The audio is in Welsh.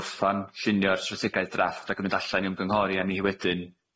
gorffan llunio'r strategaeth drafft ac yn mynd allan i ymgynghori arni wedyn